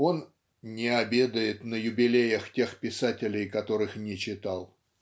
он "не обедает на юбилеях тех писателей которых не читал"